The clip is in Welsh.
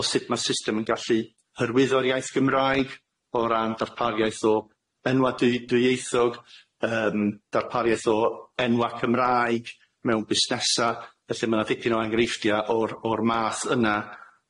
o sut ma' system yn gallu hyrwyddo'r iaith Gymraeg o ran darpariaeth o enwa' dwy- dwyieithog yym darpariaeth o enwa' Cymraeg mewn busnesa felly ma' na ddipyn o engreiffdia o'r o'r math yna